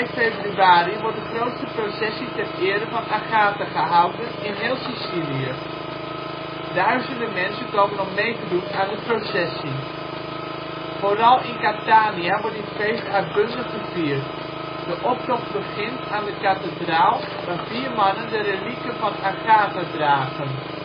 februari wordt de grootse processie ter ere van Agatha gehouden in heel Sicilië. Duizenden mensen komen om mee te doen aan de processie. Vooral in Catania wordt dit feest uitbundig gevierd. De optocht begint aan de kathedraal, waar vier mannen de relieken van Agatha dragen